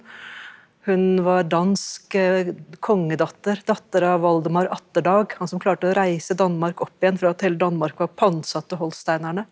hun var dansk kongedatter, datter av Valdemar Atterdag han som klarte å reise Danmark opp igjen fra at hele Danmark var pantsatt til holsteinerne.